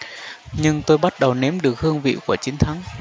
nhưng tôi bắt đầu nếm được hương vị của chiến thắng